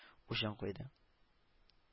Учын куйды